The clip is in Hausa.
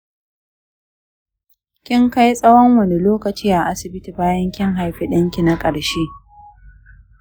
kinkai tsawon wani lokaci a asbiti bayan kin haifi danki na karshe